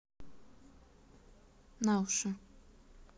на уши